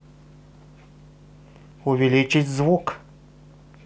увеличить звук